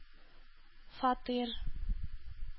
Фатир